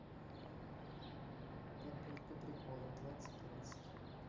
подборка приколов двадцать двадцать